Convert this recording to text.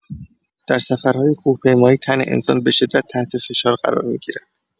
در سفرهای کوهپیمایی، تن انسان به‌شدت تحت فشار قرار می‌گیرد.